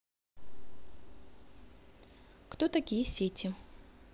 кто такие сети